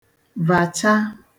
vàcha